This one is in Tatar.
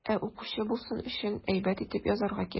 Ә укучы булсын өчен, әйбәт итеп язарга кирәк.